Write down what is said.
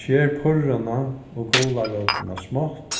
sker purruna og gularótina smátt